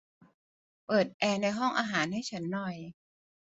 เปิดแอร์ในห้องอาหารให้ฉันหน่อย